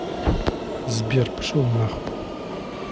сбер пошел нахуй